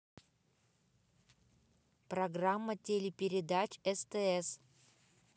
программа телепередач стс